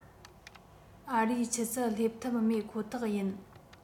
ཨ རིའི ཆུ ཚད སླེབས ཐབས མེད ཁོ ཐག ཡིན